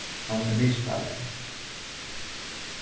hann er miðspælari